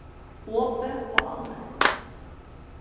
opið og alment